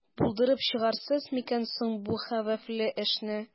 Булдырып чыгарсыз микән соң бу хәвефле эшне?